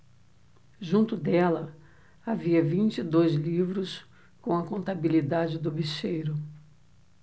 junto dela havia vinte e dois livros com a contabilidade do bicheiro